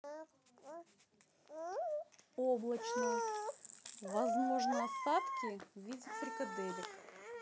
облачно возможны осадки в виде фрикаделек